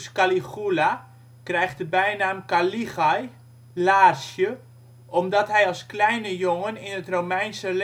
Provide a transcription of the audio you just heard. Caligula krijgt de bijnaam: caligae (" Laarsje "), omdat hij als kleine jongen in het Romeinse